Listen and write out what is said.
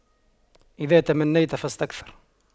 إذا تمنيت فاستكثر